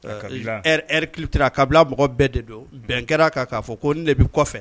Ki kabila mɔgɔ bɛɛ de don bɛn kana fɔ ko ne de bɛ kɔfɛ